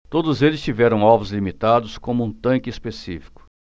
todos eles tiveram alvos limitados como um tanque específico